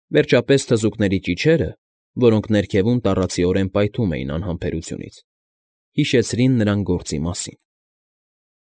Վերջապես թզուկների ճիչերը, որոնք ներքևում տառացիորեն պայթում էին անհամբերությունից, հիշեցրին նրան գործի մասին։